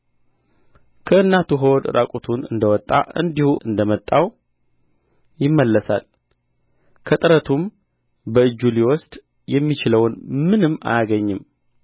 ከእናቱ ሆድ ራቁቱን እንደ ወጣ እንዲሁ እንደ መጣው ይመለሳል ከጥረቱም በእጁ ሊወስድ የሚችለውን ምንም አያገኝም